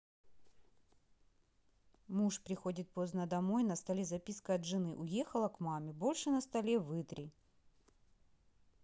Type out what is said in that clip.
муж приходит поздно домой на столе записка от жены уехала к маме больше на столе вытри